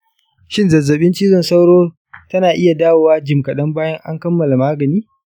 shin zazzabin cizon sauro tana iya dawowa jim kaɗan bayan an kammala magani?